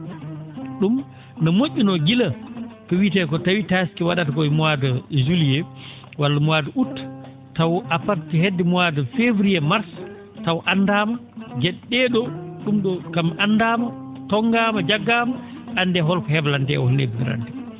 ?um no mo??unoo gila ko wiyetee koo tawii taaske wa?ata ko ye mois de juillet walla mois de aôut taw a fad hedde mois de février walla mars taw anndaama ge?e ?ee ?oo ?um ?oo kam anndaama tonngaama jaggaama anndee holko heblantee e holno heblorantee